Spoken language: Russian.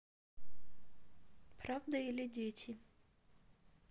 правда или дети